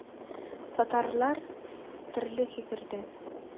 Татарлар төрле фикердә.